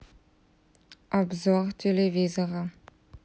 обзор телевизора